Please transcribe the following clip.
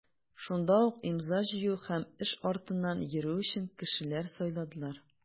Шунда ук имза җыю һәм эш артыннан йөрү өчен кешеләр сайладылар.